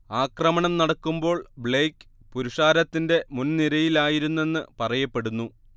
ആക്രമണം നടക്കുമ്പോൾ ബ്ലെയ്ക്ക് പുരുഷാരത്തിന്റെ മുൻനിരയിലായിരുന്നെന്ന് പറയപ്പെടുന്നു